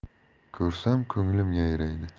ko'rsam ko'nglim yayraydi